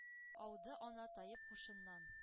Ауды ана, таеп һушыннан,